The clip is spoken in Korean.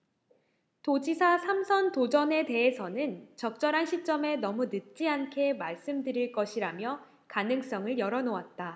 도지사 삼 선 도전에 대해서는 적절한 시점에 너무 늦지 않게 말씀 드릴 것이라며 가능성을 열어놓았다